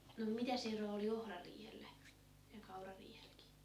no mitäs eroa oli ohrariihellä ja kaurariihelläkin